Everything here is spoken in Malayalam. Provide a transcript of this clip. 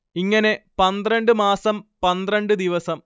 ഇങ്ങനെ പന്ത്രണ്ട് മാസം പന്ത്രണ്ട് ദിവസം